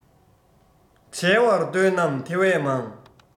འབྱལ བར འདོད རྣམས དེ བས མང